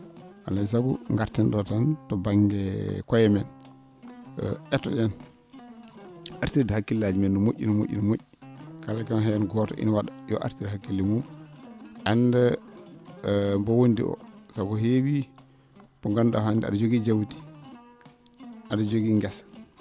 alaa e sago ngarten ?oo tan to ba?nge koye men eto?en artirde hakkillaaji men no mo??i no mo??i no mo??i kala kene heen gooto yo artir hakkille mum annda mbo wondi o sabu heewii mo nganndu?aa hannde a?a jogii hannde a?a jogii ngesa